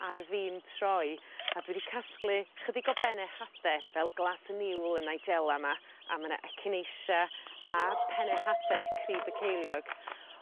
ar fi'n troi a dwi 'di casglu chydig o benne hade fel glas y niwl y nigella 'ma a ma' 'na echinacea a penne hade crib y ceiliog.